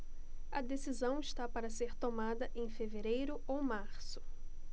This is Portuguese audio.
a decisão está para ser tomada em fevereiro ou março